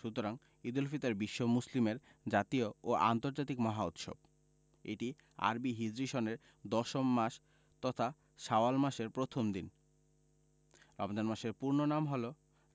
সুতরাং ঈদুল ফিতর বিশ্ব মুসলিমের জাতীয় ও আন্তর্জাতিক মহা উৎসব এটি আরবি হিজরি সনের দশম মাস তথা শাওয়াল মাসের প্রথম দিন রমজান মাসের পূর্ণ নাম হলো